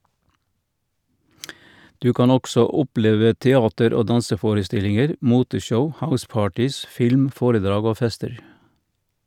Du kan også oppleve teater- og danseforestillinger, moteshow, house-parties, film, foredrag og fester!